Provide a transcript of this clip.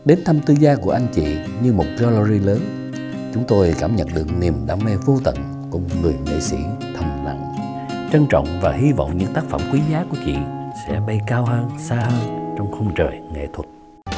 đến thăm tư gia của anh chị như một ge la ry lớn chúng tôi cảm nhận được niềm đam mê vô tận của người nghệ sĩ thầm lặng trân trọng và hy vọng những tác phẩm quý giá của chị sẽ bay cao hơn xa trong khung trời nghệ thuật